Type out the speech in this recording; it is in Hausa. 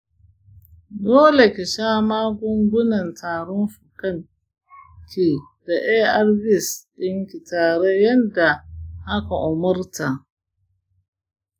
dole ki sha magungunan tarin fukan ki da arvs ɗinki tare yanda aka umurta.